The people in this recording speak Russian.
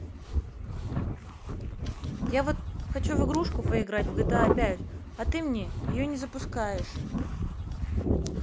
я вот хочу в игрушку поиграть в gta пять а ты меня ее не запускаешь